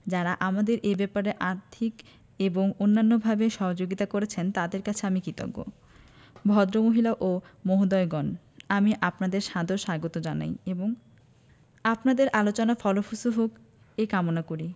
যারা আমাদের এ ব্যাপারে আর্থিক এবং অন্যান্যভাবে সহযোগিতা করেছেন তাঁদের কাছে আমি কৃতজ্ঞ ভদ্রমহিলা ও মহোদয়গণ আমি আপনাদের সাদর স্বাগত জানাই এবং আপনাদের আলোচনা ফলপসূ হোক এ কামনা করি